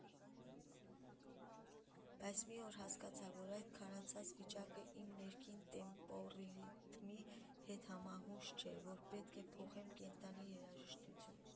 Բայց մի օր հասկացա, որ այդ քարացած վիճակը իմ ներքին տեմպոռիթմի հետ համահունչ չէ, որ պետք է փոխեմ կենդանի երաժշտությունով։